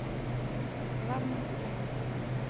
главную страницу